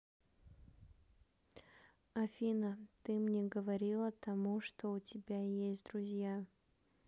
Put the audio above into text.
афина ты мне говорила тому что у тебя есть друзья